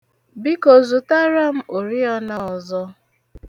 Biko zụtara m oriọna ọzọ.